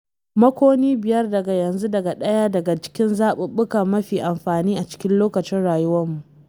Makonni biyar daga yanzu daga ɗaya daga cikin zaɓuɓɓuka mafi amfani a cikin lokacin rayuwarmu.